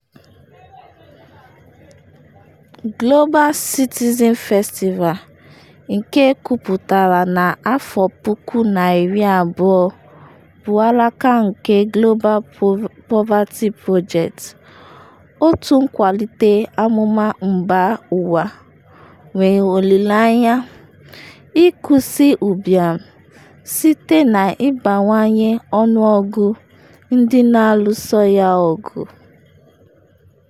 Global Citizen Festival nke kwuputara na 2012, bụ alaka nke Global Poverty Project, otu nkwalite amụma mba ụwa nwere olile anya ịkwụsị ụbịam site na ịbawanye ọnụọgụ ndị na-alụso ya ọgụ.